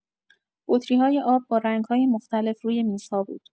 بطری‌های آب با رنگ‌های مختلف روی میزها بود.